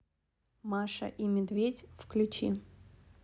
маша и медведь включи